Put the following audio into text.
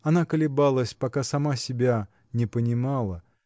Она колебалась, пока сама себя не понимала